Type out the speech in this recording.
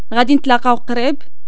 غادي نتلاقاو قريب